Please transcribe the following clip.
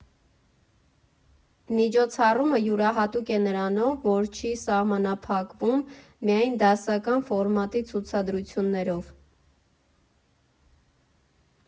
Միջոցառումը յուրահատուկ է նրանով, որ չի սահմանափակվում միայն դասական ֆորմատի ցուցադրություններով։